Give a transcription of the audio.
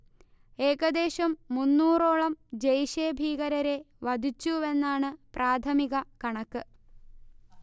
ഏകദേശം മുന്നൂറോളം ജെയ്ഷെ ഭീകരരെ വധിച്ചുവെന്നാണ് പ്രാഥമിക കണക്ക്